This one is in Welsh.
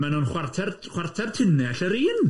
Maen nhw'n chwarter, chwarter tunnell yr un!